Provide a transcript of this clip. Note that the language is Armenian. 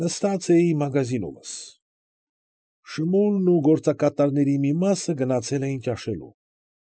Նստած էի մագազինումս։ Շմուլն ու գործակատարների մի մասը գնացել էին ճաշելու։